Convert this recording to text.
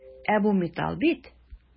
Ә бу металл бит!